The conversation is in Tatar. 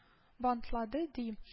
Бантлады ди: